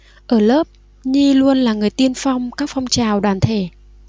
ở lớp nhi luôn là người tiên phong các phong trào đoàn thể